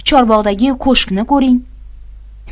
chorbog'dagi ko'shkni ko'ring